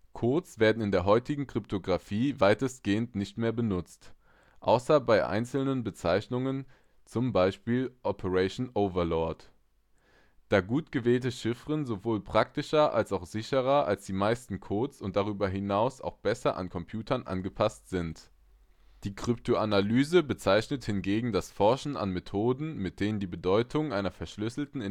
Codes werden in der heutigen Kryptographie weitestgehend nicht mehr benutzt, außer bei einzelnen Bezeichnungen (z. B. Operation Overlord), da gut gewählte Chiffren sowohl praktischer als auch sicherer als die besten Codes und darüber hinaus auch besser an Computer angepasst sind. Kryptoanalyse bezeichnet hingegen das Forschen an Methoden, mit denen die Bedeutung einer verschlüsselten